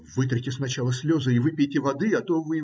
- Вытрите сначала слезы и выпейте воды, а то вы.